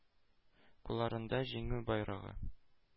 Кулларында җиңү байрагы.